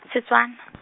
Setswana .